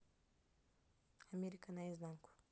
америка на изнанку